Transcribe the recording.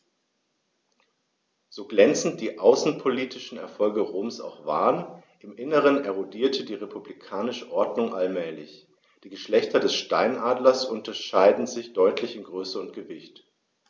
So glänzend die außenpolitischen Erfolge Roms auch waren: Im Inneren erodierte die republikanische Ordnung allmählich. Die Geschlechter des Steinadlers unterscheiden sich deutlich in Größe und Gewicht.